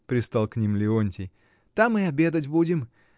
— пристал к ним Леонтий, — там и обедать будем.